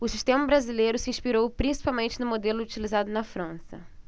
o sistema brasileiro se inspirou principalmente no modelo utilizado na frança